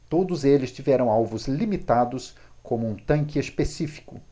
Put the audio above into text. todos eles tiveram alvos limitados como um tanque específico